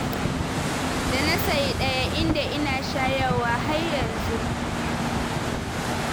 dana sayi daya inda ina shayarwa har yanzu.